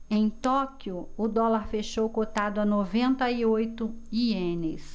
em tóquio o dólar fechou cotado a noventa e oito ienes